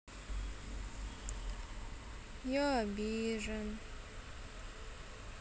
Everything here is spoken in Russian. я обижен